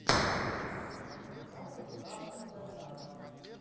канал фк краснодар